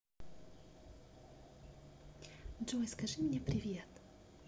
джой скажи мне привет